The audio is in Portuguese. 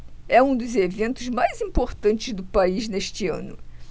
é um dos eventos mais importantes do país este ano